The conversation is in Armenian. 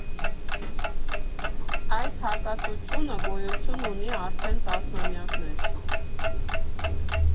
Այս հակասությունը գոյություն ունի արդեն տասնամյակներ։